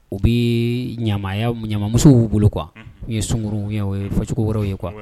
U bɛ ɲamaya ɲamamuso bolo qu kuwa n ye sunkuruya ye fɔ cogo wɛrɛw ye kuwa